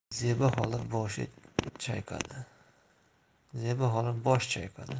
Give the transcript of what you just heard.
zebi xola bosh chayqadi